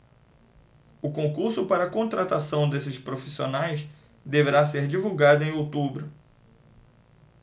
o concurso para contratação desses profissionais deverá ser divulgado em outubro